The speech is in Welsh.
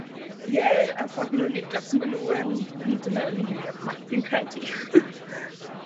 ie y ffordd ma' nw'n edrych so ma' nw yn myn' do' mewn i mwy o'r gwaith fi'n credu.